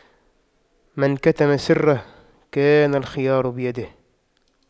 من كتم سره كان الخيار بيده